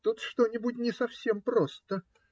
Тут что-нибудь не совсем просто.